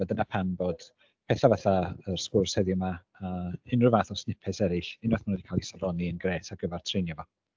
a dyna pam bod pethau fatha yr sgwrs heddiw yma a unrhyw fath o snippets eraill, unwaith maen nhw 'di cael eu safoni yn grêt ar gyfer treinio fo.